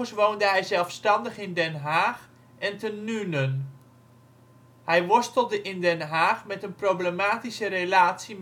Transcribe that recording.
woonde hij zelfstandig in Den Haag, en te Nuenen. Hij worstelde in Den Haag met een problematische relatie